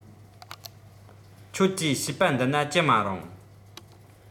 ཁྱོད ཀྱིས བྱིས པ འདི ན ཅི མ རུང